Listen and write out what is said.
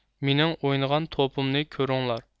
مېنىڭ ئوينىغان توپۇمنى كۆرۈڭلار